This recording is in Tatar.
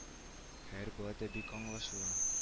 Хәер болай да бик аңлашыла